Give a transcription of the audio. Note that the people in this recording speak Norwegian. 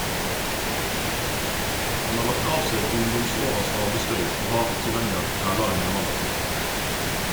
Han har lagt av seg ungdomsåras arbeidstøy, og har ikkje lenger trælar i nevane.